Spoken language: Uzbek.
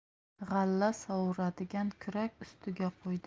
g'alla sovuradigan kurak ustiga qo'ydim